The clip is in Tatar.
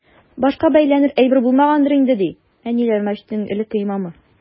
Башка бәйләнер әйбер булмагангадыр инде, ди “Әниләр” мәчетенең элекке имамы.